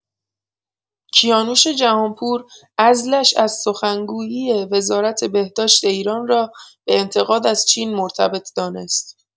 کیانوش جهانپور عزلش از سخنگویی وزارت بهداشت ایران را به انتقاد از چین مرتبط دانست.